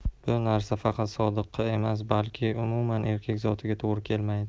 bu narsa faqat sodiqqa emas balki umuman erkak zotiga to'g'ri kelmaydi